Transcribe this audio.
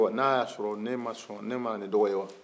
n' a y'a fɔ ne ma sɔn ne ma na ni dɔgɔ ye wa